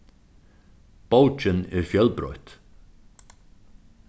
bókin er fjølbroytt